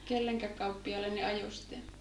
kenelle kauppiaalle ne ajoi sitten